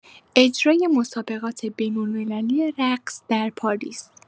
اجرای مسابقات بین‌المللی رقص در پاریس